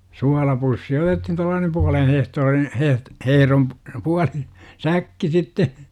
suolapussi otettiin tuollainen puolen hehtaarin heh hehdon - puoli säkki sitten